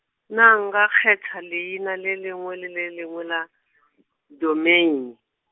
na nka kgetha leina le lengwe le le lengwe la, Domeine.